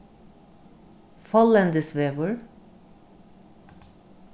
follendisvegur